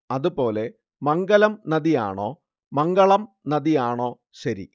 അതുപോലെ മംഗലം നദി ആണോ മംഗളം നദി ആണോ ശരി